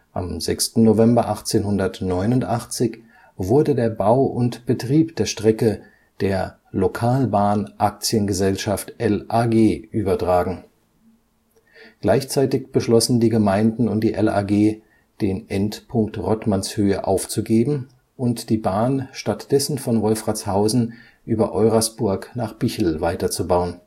Am 6. November 1889 wurde der Bau und Betrieb der Strecke der Lokalbahn Aktien-Gesellschaft (LAG) übertragen. Gleichzeitig beschlossen die Gemeinden und die LAG, den Endpunkt Rottmannshöhe aufzugeben und die Bahn stattdessen von Wolfratshausen über Eurasburg nach Bichl weiterzubauen